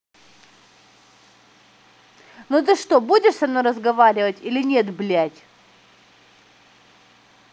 ну ты что будешь со мной разговаривать или нет блядь